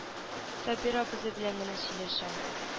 Сабир абзый белән генә сөйләшә